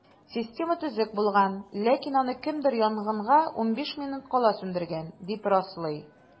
Система төзек булган, ләкин аны кемдер янгынга 15 минут кала сүндергән, дип раслый.